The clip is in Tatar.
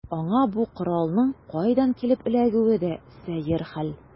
Аңа бу коралның кайдан килеп эләгүе дә сәер хәл.